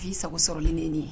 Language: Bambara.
i sago sɔrɔlen de ye nin ye